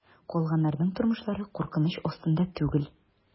Калганнарның тормышлары куркыныч астында түгел.